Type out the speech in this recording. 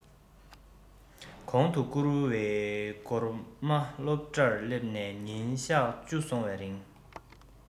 གོང དུ བསྐུར བའི སྒོར མ སློབ གྲྭར སླེབས ནས ཉིན གཞག བཅུ སོང བའི རིང